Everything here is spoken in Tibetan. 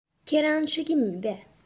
ཁྱོད རང མཆོད ཀྱི མིན པས